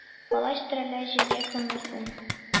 Палач тереләй җиргә күммәсен!..